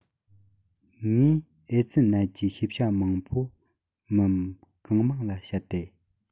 ངས ཨེ ཙི ནད ཀྱི ཤེས བྱ མང པོ མི གང མང ལ བཤད དེ